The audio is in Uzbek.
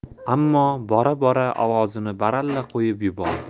ammo bora bora ovozini baralla qo'yib yubordi